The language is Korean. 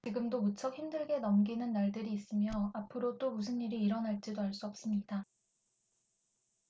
사실 지금도 무척 힘들게 넘기는 날들이 있으며 앞으로 또 무슨 일이 일어날지도 알 수 없습니다